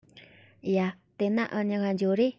ཡ དེ ན འུ གཉིས ཀ འགྲོ རིས